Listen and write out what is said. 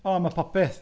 O, mae popeth...